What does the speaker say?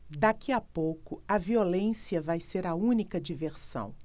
daqui a pouco a violência vai ser a única diversão